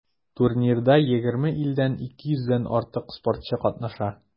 Турнирда 20 илдән 200 дән артык спортчы катнаша.